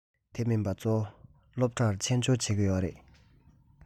དེ མིན པ གཙོ བོ སློབ གྲྭར ཕྱི འབྱོར བྱེད ཀྱི ཡོད རེད